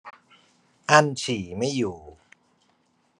อั้นฉี่ไม่อยู่